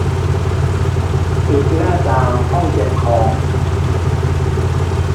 ปิดหน้าต่างห้องเก็บของ